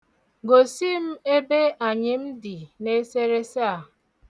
Gosi m ebe anyịm dị n'esereese a.